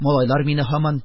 Малайлар мине һаман: